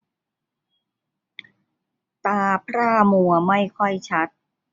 ตาพร่ามัวไม่ค่อยชัด